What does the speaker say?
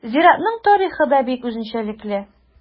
Зиратның тарихы да бик үзенчәлекле.